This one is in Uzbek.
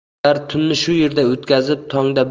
ular tunni shu yerda o'tkazib tongda